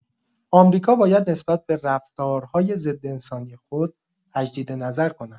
آمریکا باید نسبت به رفتارهای ضدانسانی خود تجدید نظر کند.